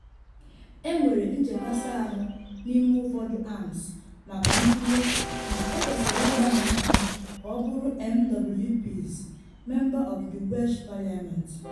Enwere nchekasị ahụ n’ime ụfọdụ AMs maka ntụle na ekwesịrị ịgbanwe aha ha ka ọ bụrụ MWPs (Member of the Welsh Parliament).